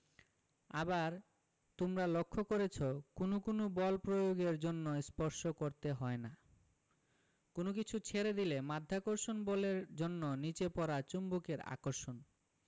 আবার তোমরা লক্ষ করেছ কোনো কোনো বল প্রয়োগের জন্য স্পর্শ করতে হয় না কোনো কিছু ছেড়ে দিলে মাধ্যাকর্ষণ বলের জন্য নিচে পড়া চুম্বকের আকর্ষণ